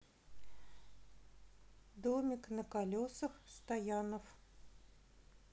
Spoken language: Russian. домик на колесах стоянов